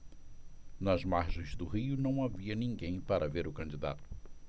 nas margens do rio não havia ninguém para ver o candidato